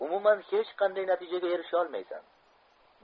umuman hech qanday natijaga erisholmaysan